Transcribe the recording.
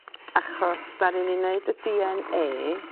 Achos daru ni neud y Dee En Ay